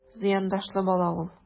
Зыяндашлы бала ул...